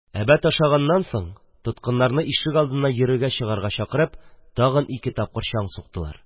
Әбәт ашаганнан соң тоткыннарны ишегалдына йөрергә чыгарга чакырып тагын ике тапкыр чаң суктылар.